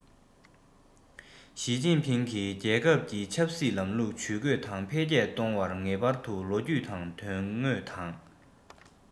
ཞིས ཅིན ཕིང གིས རྒྱལ ཁབ ཀྱི ཆབ སྲིད ལམ ལུགས ཇུས བཀོད དང འཕེལ རྒྱས གཏོང བར ངེས པར དུ ལོ རྒྱུས དང དོན དངོས དང